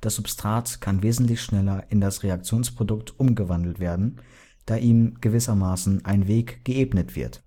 Das Substrat kann wesentlich schneller in das Reaktionsprodukt umgewandelt werden, da ihm gewissermaßen ein Weg „ geebnet “wird